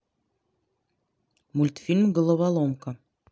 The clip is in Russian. мультфильм головоломка